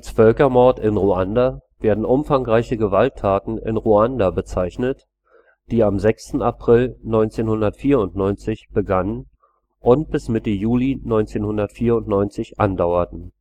Völkermord in Ruanda werden umfangreiche Gewalttaten in Ruanda bezeichnet, die am 6. April 1994 begannen und bis Mitte Juli 1994 andauerten